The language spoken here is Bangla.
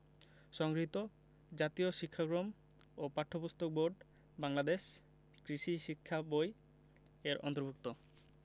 সংগৃহীত জাতীয় শিক্ষাক্রম ও পাঠ্যপুস্তক বোর্ড বাংলাদেশ কৃষি শিক্ষা বই এর অন্তর্ভুক্ত